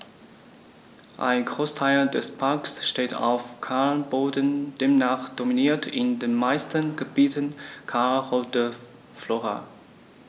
Ein Großteil des Parks steht auf Kalkboden, demnach dominiert in den meisten Gebieten kalkholde Flora.